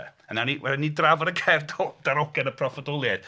A wnawn ni... wnawn ni drafod y gerdd darogan y proffwydoliaeth.